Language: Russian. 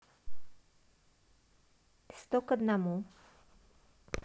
сто к одному